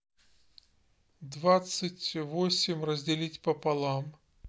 двадцать восемь разделить пополам